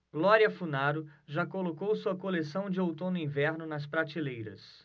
glória funaro já colocou sua coleção de outono-inverno nas prateleiras